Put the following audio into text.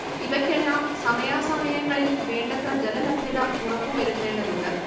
ഇവക്കെല്ലാം സമയാസമയങ്ങളിൽ വേണ്ടത്ര ജലലഭ്യത ഉറപ്പു വരുത്തേണ്ടതുണ്ട്